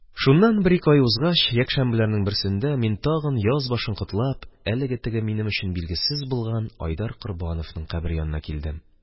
Шуннан бер-ике ай узгач, якшәмбеләрнең берсендә, мин тагын, яз башын котлап, әлеге теге минем өчен билгесез булган Айдар Корбановның кабере янына килдем.